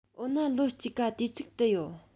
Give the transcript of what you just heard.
འོ ན ལོ གཅིག ག དུས ཚིགས དི ཡོད